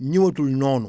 ñëwatul noonu